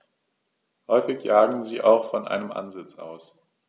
Häufig jagen sie auch von einem Ansitz aus.